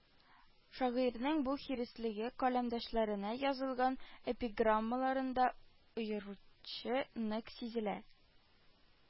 Шагыйрьнең бу хиреслеге каләмдәшләренә язылган эпиграммаларында аеруча нык сизелә